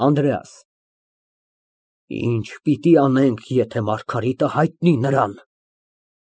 ԱՆԴՐԵԱՍ ֊ Ի՞նչ պիտի անենք, եթե Մարգարիտը հայտնի նրան։